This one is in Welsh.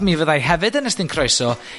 Mi fyddai hefyd yn estyn croeso